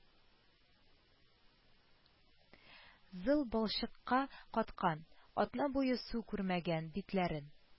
Зыл балчыкка каткан, атна буе су күрмәгән битләрен